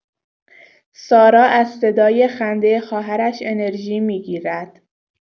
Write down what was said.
سارا از صدای خنده خواهرش انرژی می‌گیرد.